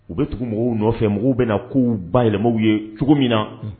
U bɛ tugu mɔgɔw nɔfɛ mɔgɔw bɛna na ko baɛlɛw ye cogo min na